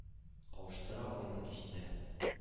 Кавыштыра айлы кичтә